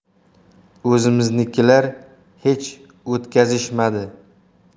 o'zimiznikilar hech o'tkazishmadi